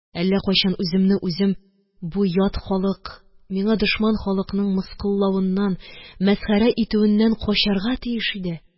Әллә кайчан үземне үзем, бу ят халык, миңа дошман халыкның мыскыллавыннан, мәсхәрә итүеннән качарга тиеш идем